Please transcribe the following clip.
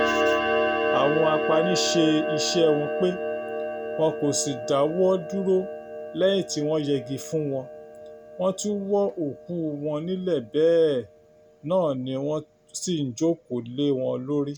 Àwọn apani ṣe iṣẹ́ wọn pé, wọn kò sì dáwọ́ dúró lẹ́yìn tí wọ́n yẹgi fún wọn, wọ́n tún wọ́ òkúu wọn nílẹ̀ bẹ́ẹ̀ náà ni wọ́n sì ń jókòó lé wọn lórí.